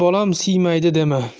bolam siymaydi dema